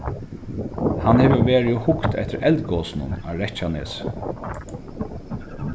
hann hevur verið og hugt eftir eldgosinum á reykjanesi